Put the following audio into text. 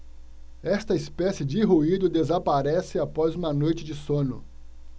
esta espécie de ruído desaparece após uma noite de sono